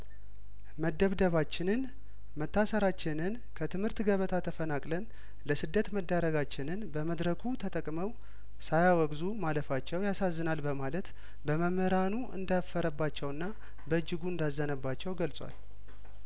መ ደብደባችንን መታሰራችንን ከትምህርት ገበታ ተፈናቅለን ለስደት መዳረጋችንን በመድረኩ ተጠቅመው ሳያወግዙ ማለፋቸው ያሳዝናል በማለት በመምህራኑ እንዳፈረባቸውና በእጅጉ እንዳዘነባቸው ገልጿል